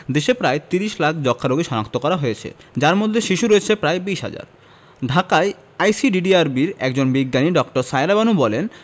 দেশে প্রায় ৩০ লাখ যক্ষ্মা রোগী শনাক্ত করা হয়েছে যার মধ্যে শিশু রয়েছে প্রায় ২০ হাজার ঢাকায় আইসিডিডিআরবির একজন বিজ্ঞানী ড. সায়েরা বানু বলেন